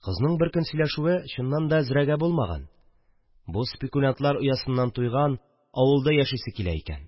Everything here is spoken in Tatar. Кызның беркөн сөйләшүе, чыннан да, зрәгә булмаган, бу спекулянтлар оясыннан туйган, авылда яшисе килә икән